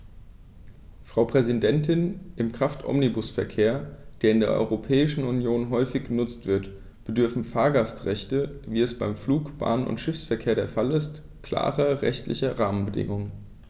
Frau Präsidentin, im Kraftomnibusverkehr, der in der Europäischen Union häufig genutzt wird, bedürfen Fahrgastrechte, wie es beim Flug-, Bahn- und Schiffsverkehr der Fall ist, klarer rechtlicher Rahmenbedingungen.